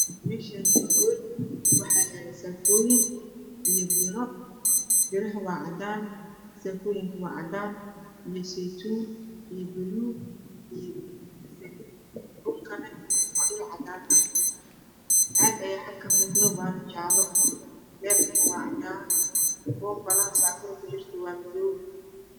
Meshani waa hool waxa yaalo saakooyin iyo biro biraha waa cadana sakoyinka wa cadan iyo zeytuun iyo baluug iyo bazali dhulakan wa dhul caadn aha caag ayaa xaga kamuuqdo wana jaalo leerkana wa cadan poonpalaha saka da kujirto wa madow